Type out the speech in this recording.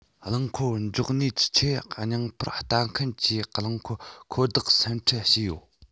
རླངས འཁོར འཇོག གནས ཀྱི ཆེད སྙིང འཕར ལྟ མཁན གྱི རླངས འཁོར འཁོར བདག སེམས ཁྲལ བྱེད ཡོད